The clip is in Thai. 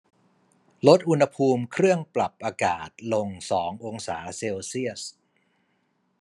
ลดอุณหภูมิเครื่องปรับอากาศลงสององศาเซลเซียส